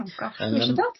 Ma'n gosh dwi isie dod!